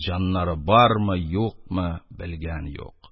Җаннары бармы, юкмы — белгән юк.